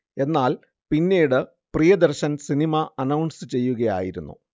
എന്നാൽ പിന്നീട് Priyadarshan cinema announce ചെയ്കയായിരുന്നു